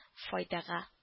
Файдага